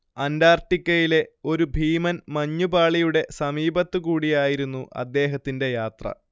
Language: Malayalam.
അന്റാർട്ടിക്കയിലെ ഒരു ഭീമൻ മഞ്ഞുപാളിയുടെ സമീപത്തുകൂടിയായിരുന്നു അദ്ദേഹത്തിന്റെ യാത്ര